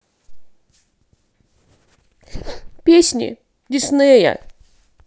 песни диснея